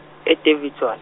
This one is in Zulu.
e- Daveyton.